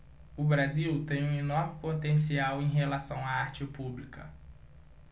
o brasil tem um enorme potencial em relação à arte pública